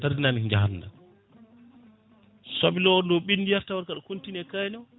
tardinani ko jahanno ɗa soble o nde ɓendoyata tawa kaɗa continue e kaani o